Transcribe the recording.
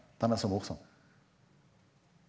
den er så morsom.